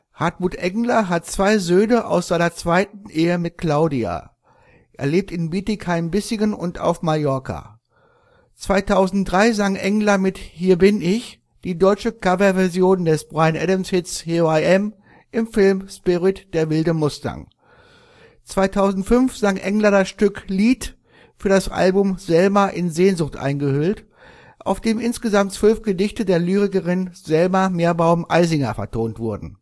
Hartmut Engler hat zwei Söhne aus seiner zweiten Ehe mit Claudia. Er lebt in Bietigheim-Bissingen und auf Mallorca. 2003 sang Engler mit „ Hier bin ich “die deutsche Coverversion des Bryan-Adams-Hits „ Here I am “im Film Spirit – Der wilde Mustang. 2005 sang Engler das Stück „ Lied “für das Album Selma – in Sehnsucht eingehüllt, auf dem insgesamt 12 Gedichte der Lyrikerin Selma Meerbaum-Eisinger vertont wurden